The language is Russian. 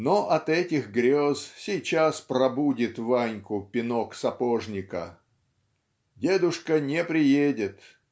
но от этих грез сейчас пробудит Ваньку пинок сапожника. Дедушка не приедет